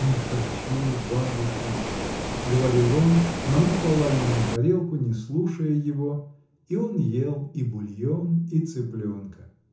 — Не хочу, бабушка, — говорил он, но она клала ему на тарелку, не слушая его, и он ел и бульон, и цыпленка.